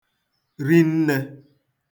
rinnē